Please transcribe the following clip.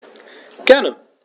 Gerne.